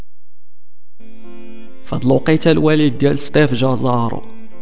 فضل لقيت الوليد لستيف جازار